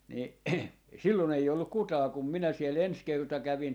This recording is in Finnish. niin silloin ei ollut ketään kun minä siellä ensi kerta kävin